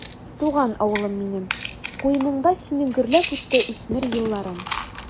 Туган авылым минем, куеныңда синең гөрләп үтте үсмер елларым.